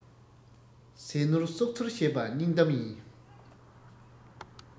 ཟས ནོར གསོག ཚུལ ཤེས པ སྙིང གཏམ ཡིན